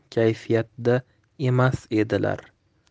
kayfiyatda emas edilar